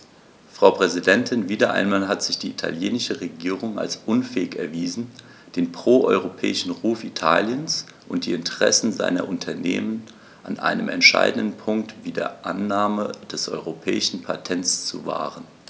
Frau Präsidentin, wieder einmal hat sich die italienische Regierung als unfähig erwiesen, den pro-europäischen Ruf Italiens und die Interessen seiner Unternehmen an einem entscheidenden Punkt wie der Annahme des europäischen Patents zu wahren.